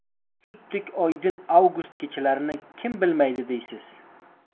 sutdek oydin avgust kechalarini kim bilmaydi deysiz